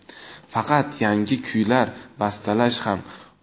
faqat yangi kuylar bastalash ham